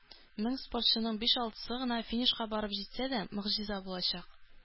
Мең спортчының биш-алтысы гына финишка барып җитсә дә, могҗиза булачак.